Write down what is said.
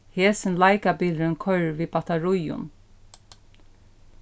hesin leikabilurin koyrir við battaríum